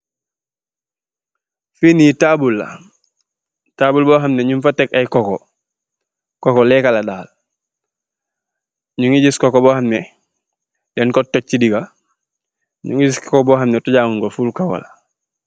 Fii nii taabul la, taabul boo xam ne ñuñ fa tek ay coco. Coco leekë Faal. Ñu ngi gis coco boo xam ne, ñuñ ko tek si digga, ñu ngi gis benen coco boo xam ne tooja guñg ko.